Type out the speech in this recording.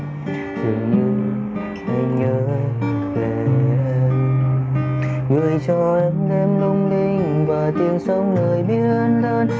dường như anh nhớ về em gửi cho em đêm lung linh và tiếng sóng nơi biển lớn